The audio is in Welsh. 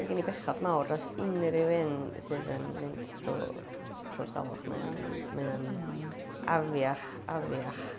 ma' gen i bechod mawr dros unryw un sydd yn mynd trwy trwy'r salwch, mae o'n mae o'n afiach, afiach.